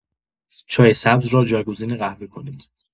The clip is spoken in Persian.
چای سبز را جایگزین قهوه کنید.